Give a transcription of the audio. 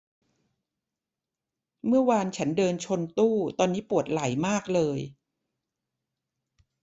เมื่อวานฉันเดินชนตู้ตอนนี้ปวดไหล่มากเลย